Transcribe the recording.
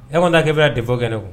Yan kɔni' kɛ bɛ debɔ kɛ ne